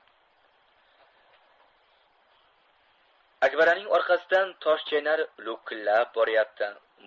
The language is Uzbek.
akbaraning orqasidan toshchaynar lo'killab boryapti